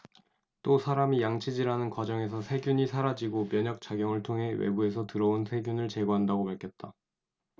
또 사람이 양치질하는 과정에서 세균이 사라지고 면역작용을 통해 외부에서 들어온 세균을 제거한다고 밝혔습니다